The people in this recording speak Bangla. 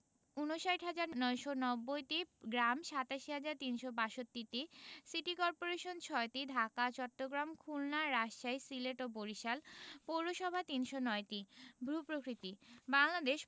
৫৯হাজার ৯৯০টি গ্রাম ৮৭হাজার ৩৬২টি সিটি কর্পোরেশন ৬টি ঢাকা চট্টগ্রাম খুলনা রাজশাহী সিলেট ও বরিশাল পৌরসভা ৩০৯টি ভূ প্রকৃতিঃ বাংলদেশ